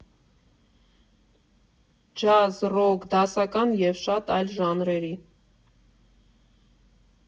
Ջազ, ռոք, դասական և շատ այլ ժանրերի։